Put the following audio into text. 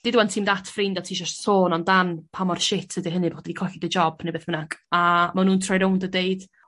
De'd ŵan ti'n mynd at ffrind a t'isio sôn amdan pa mor shit ydi hynny bo' di colli dy job ne' beth bynnag a ma' nhw'n troi rownd a deud